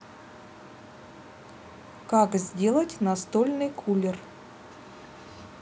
как сделать настольный куллер